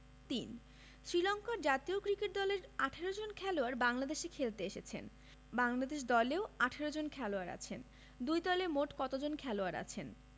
৩ শ্রীলংকার জাতীয় ক্রিকেট দলের ১৮ জন খেলোয়াড় বাংলাদেশে খেলতে এসেছেন বাংলাদেশ দলেও ১৮ জন খেলোয়াড় আছেন দুই দলে মোট কতজন খেলোয়াড় আছেন